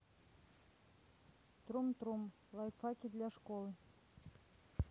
трум трум лайфхаки для школы